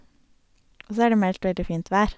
Og så er det meldt veldig fint vær.